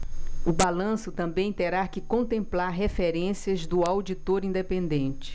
o balanço também terá que contemplar referências do auditor independente